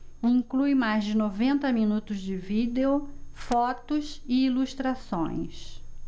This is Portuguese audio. inclui mais de noventa minutos de vídeo fotos e ilustrações